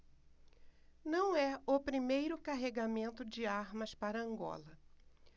não é o primeiro carregamento de armas para angola